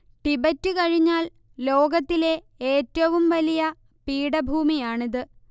Tibet കഴിഞ്ഞാൽ ലോകത്തിലെ ഏറ്റവും വലിയ പീഠഭൂമിയാണിത്